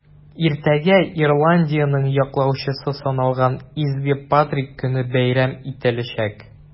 Иртәгә Ирландиянең яклаучысы саналган Изге Патрик көне бәйрәм ителәчәк.